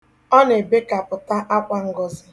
Ọ na-ebekapụta akwa Ngọzị